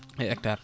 e hectare